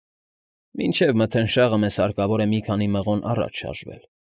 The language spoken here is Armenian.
Մինչև մթնշաղը մեզ հարկավոր է մի քանի մղոն առաջ շարժվել։